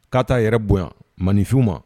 Ka ta yɛrɛ bonɲa maanifinw ma.